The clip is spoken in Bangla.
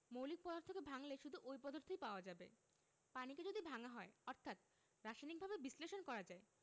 মৌলিক পদার্থকে ভাঙলে শুধু ঐ পদার্থই পাওয়া যাবে পানিকে যদি ভাঙা হয় অর্থাৎ রাসায়নিকভাবে বিশ্লেষণ করা যায়